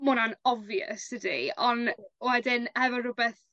ma' wnna'n obvious dydi? On' wedyn hefo rwbeth